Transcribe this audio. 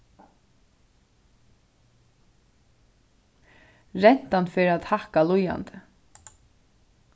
rentan fer at hækka líðandi